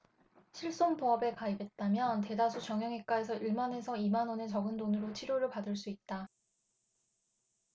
실손보험에 가입했다면 대다수 정형외과에서 일 만 에서 이 만원의 적은 돈으로 치료를 받을 수 있다